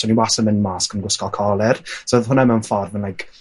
So o'n i wasta'n myn' mas ac yn gwisgo colur. So odd hwnna mewn ffordd yn like